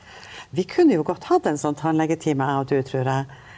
vi kunne jo godt hatt en sånn tannlegetime jeg og du trur jeg.